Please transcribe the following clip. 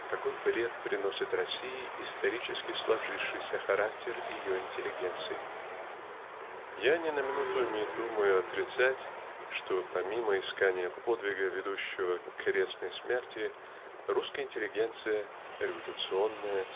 какой вред приносит России исторически сложившийся характер ее интеллигенции. Я ни на минуту не думаю отрицать что помимо искания подвига ведущего к крестной смерти русская интеллигенция революционная